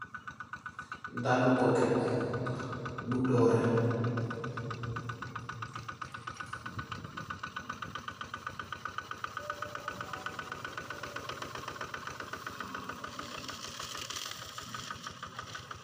Dallu kóket bu dorré.